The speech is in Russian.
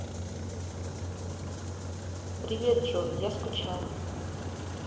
привет джой я скучала